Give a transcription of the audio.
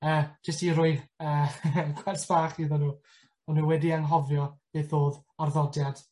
yy jyst i rhoi yy gwers bach iddon nw, o' nw wedi anghofio beth odd arddodiad